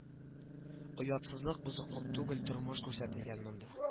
Оятсызлык бозыклык түгел тормыш күрсәтелгән монда